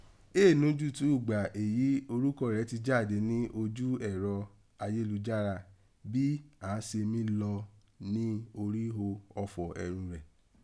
Éè nójúùtú ùgba èyí orúkọ rẹ̀ ti jáde ni ojú ẹrọ ayelujara bí aghan se mí lọ̀ ọ́ ni origho ọfọ ẹrun rẹ̀.